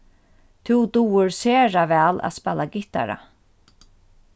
tú dugir sera væl at spæla gittara